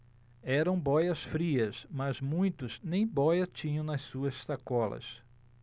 eram bóias-frias mas muitos nem bóia tinham nas suas sacolas